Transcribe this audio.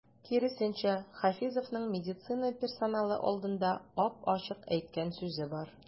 Киресенчә, Хафизовның медицина персоналы алдында ап-ачык әйткән сүзе бар.